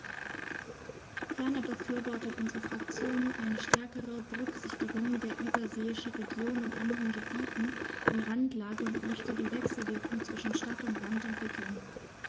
Ferner befürwortet unsere Fraktion eine stärkere Berücksichtigung der überseeischen Regionen und anderen Gebieten in Randlage und möchte die Wechselwirkungen zwischen Stadt und Land entwickeln.